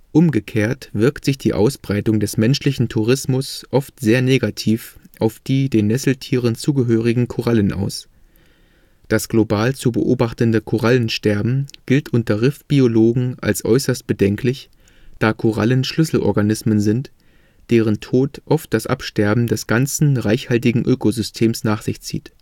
Umgekehrt wirkt sich die Ausbreitung des menschlichen Tourismus oft sehr negativ auf die den Nesseltieren zugehörigen Korallen aus. Das global zu beobachtende Korallensterben gilt unter Riffbiologen als äußerst bedenklich, da Korallen Schlüsselorganismen sind, deren Tod oft das Absterben des ganzen reichhaltigen Ökosystems nach sich zieht